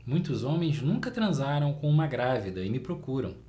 muitos homens nunca transaram com uma grávida e me procuram